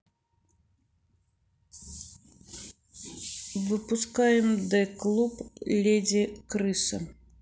выпускаем d club lady крыса